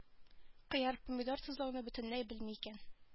Кыяр-помидор тозлауны бөтенләй белми икән